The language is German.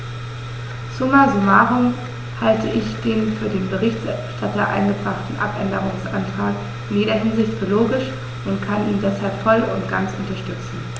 Summa summarum halte ich den von dem Berichterstatter eingebrachten Abänderungsantrag in jeder Hinsicht für logisch und kann ihn deshalb voll und ganz unterstützen.